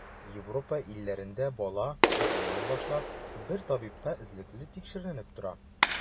Европа илләрендә бала, туганнан башлап, бер табибта эзлекле тикшеренеп тора.